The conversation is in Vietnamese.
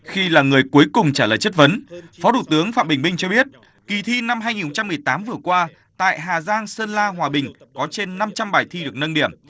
khi là người cuối cùng trả lời chất vấn phó thủ tướng phạm bình minh cho biết kỳ thi năm hai nghìn không trăm mười tám vừa qua tại hà giang sơn la hòa bình có trên năm trăm bài thi được nâng điểm